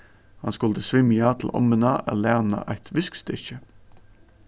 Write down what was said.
hann skuldi svimja til ommuna at læna eitt viskustykki